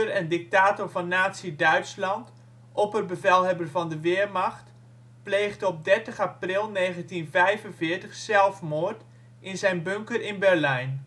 en dictator van nazi-Duitsland, opperbevelhebber van de Wehrmacht, pleegde op 30 april 1945 zelfmoord in zijn bunker in Berlijn